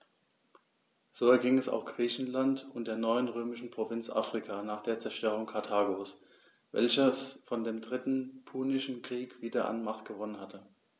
So erging es auch Griechenland und der neuen römischen Provinz Afrika nach der Zerstörung Karthagos, welches vor dem Dritten Punischen Krieg wieder an Macht gewonnen hatte.